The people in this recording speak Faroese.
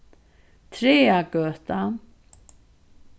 traðagøta